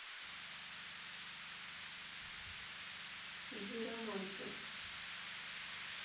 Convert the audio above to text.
zeromancer